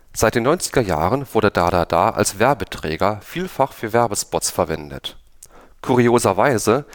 Seit den 90er Jahren wurde „ Da da da “als Werbeträger vielfach für Werbespots verwendet. Kurioserweise